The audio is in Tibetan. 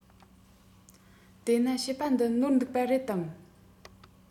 དེ ན བཤད པ འདི ནོར འདུག པ རེད དམ